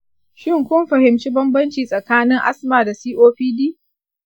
shin kun fahimci banbanci tsakanin asma da copd?